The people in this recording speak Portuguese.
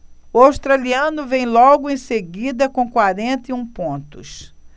o australiano vem logo em seguida com quarenta e um pontos